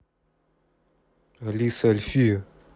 алиса альфия